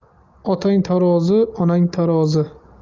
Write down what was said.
otang tarozi onang tarozi